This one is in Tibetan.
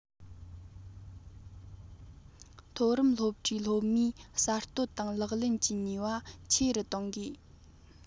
མཐོ རིམ སློབ གྲྭའི སློབ མའི གསར གཏོད དང ལག ལེན གྱི ནུས པ ཆེ རུ གཏོང དགོས